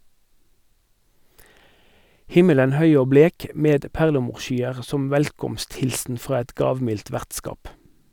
Himmelen høy og blek, med perlemorsskyer som velkomsthilsen fra et gavmildt vertskap.